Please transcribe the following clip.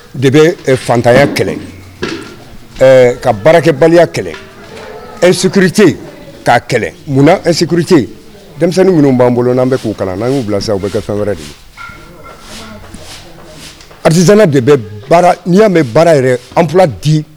Bɛ fantanya kɛlɛ ka baarakɛbaliya kɛlɛ e s k' kɛlɛ munna e ste denmisɛnnin minnu b'an bolo n'an bɛ k'u kana na n' y'u bila sa u bɛ kɛ fɛn wɛrɛ de ye arizna de bɛ n'i y'a mɛn baara yɛrɛ an fila di